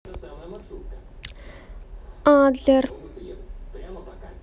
адлер